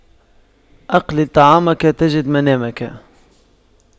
أقلل طعامك تجد منامك